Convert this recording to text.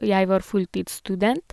Jeg var fulltidsstudent.